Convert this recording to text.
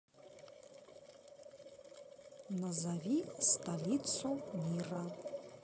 назови столицу мира